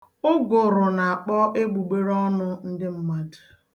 Ụgụrụ na-akpọ egbugberọọnụ ndị mmadụ.